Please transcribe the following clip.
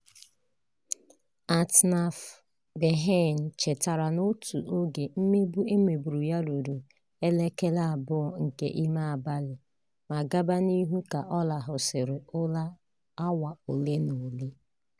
Atnaf Berhane chetara na otu oge mmegbu e megburu ya ruru elekere 2 nke ime abalị ma gaba n'ihu ka ọ rahụsịrị ụra awa ole na ole.